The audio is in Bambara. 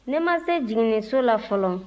ne ma se jiginniso la fɔlɔ